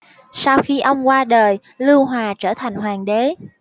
sau khi ông qua đời lưu hòa trở thành hoàng đế